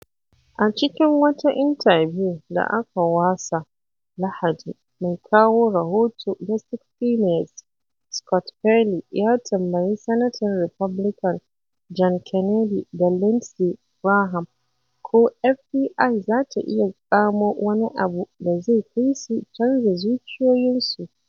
A cikin wata intabiyu da aka wasa Lahadi, mai kawo rahoto na "60 Minutes" Scott Pelley ya tambayi Sanatan Republican John Kennedy da Lindsey Graham ko FBI za ta iya tsamo wani abu da zai kai su canza zuciyoyinsu.